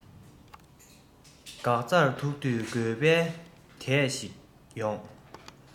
འགག རྩར ཐུག དུས དགོས པའི དུས ཤིག ཡོང